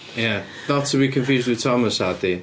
Ia not to be confused with Thomas Hardy.